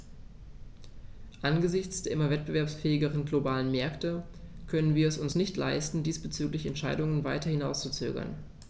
Angesichts der immer wettbewerbsfähigeren globalen Märkte können wir es uns nicht leisten, diesbezügliche Entscheidungen weiter hinauszuzögern.